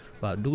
c' est ça